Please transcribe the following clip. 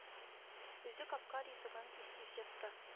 Үзе капкан ризыгын тиз-тиз йотты